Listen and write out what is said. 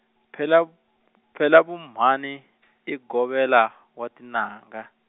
phela, phela Vhumani, i govela, wa tinanga.